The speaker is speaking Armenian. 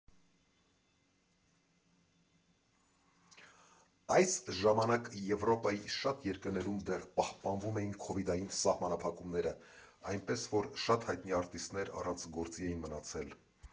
Այս ժամանակ Եվրոպայի շատ երկրներում դեռ պահպանվում էին քովիդային սահմանափակումները, այնպես որ շատ հայտնի արտիստներ առանց գործի էին մնացել։